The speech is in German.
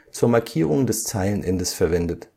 zur Markierung des Zeilenendes verwendet